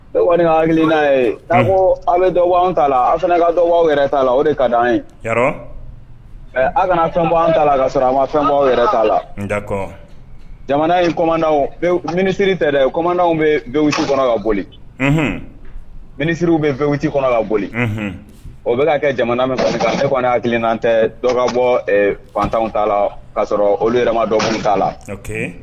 E wari hakili n'a ye a ko aw bɛ dɔn anw ta la aw fana ka dɔn aw yɛrɛ t'a la o de ka di an ye aw kana fɛn bɔ an taa la ka sɔrɔ an ma fɛn aw t'a la jamana minisiri tɛ dɛmanw bɛsi kɔnɔ ka boli minisiririw bɛ peti kɔnɔ ka boli o bɛka' kɛ jamana min kan ne kɔni hakili'an tɛ dɔgɔ bɔ fantanw t ta la k ka'a sɔrɔ olu yɛrɛma dɔ t'a la